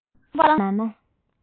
ཨ སྐྱོ རྐང པ ན ན